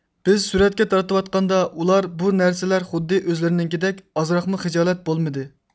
بىز سۈرەتكە تارتىۋاتقاندا ئۇلار بۇ نەرسىلەر خۇددى ئۆزلىرىنىڭكىدەك ئازراقمۇ خىجالەت بولمىدى